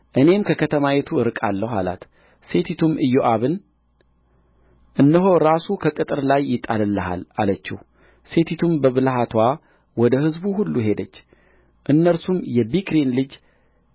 እኔም ከከተማይቱ እርቃለሁ አላት ሴቲቱም ኢዮአብን እነሆ ራሱ ከቅጥር ላይ ይጣልልሃል አለችው ሴቲቱም በብልሃትዋ ወደ ሕዝቡ ሁሉ ሄደች እነርሱም የቢክሪን ልጅ